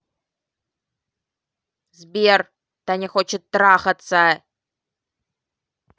сбер таня хочет трахаться